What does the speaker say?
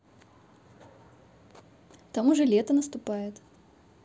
там уже лето наступает